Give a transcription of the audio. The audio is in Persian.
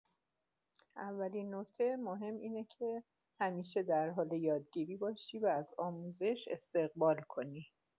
اولین نکته مهم اینه که همیشه در حال یادگیری باشی و از آموزش استقبال کنی.